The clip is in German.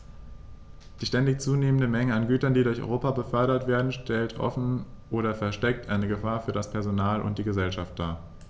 Die ständig zunehmende Menge an Gütern, die durch Europa befördert werden, stellt offen oder versteckt eine Gefahr für das Personal und die Gesellschaft dar.